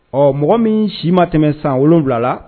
Ɔ mɔgɔ min si ma tɛmɛ san wolonwula la